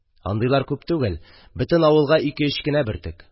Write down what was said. Андыйлар күп түгел, бөтен авылга ике-өч кенә бөртек